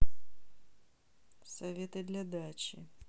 советы для дачи